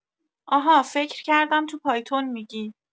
اها فکر کردم تو پایتون می‌گی